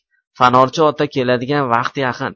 fanorchi ota keladigan vaqt yaqin